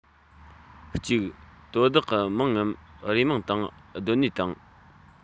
གཅིག དོ བདག གི མིང ངམ རུས མིང དང སྡོད གནས དང